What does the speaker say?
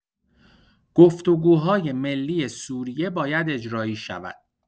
گفتگوهای ملی سوریه باید اجرایی شود.